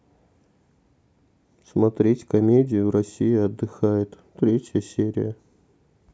смотреть комедию россия отдыхает третья серия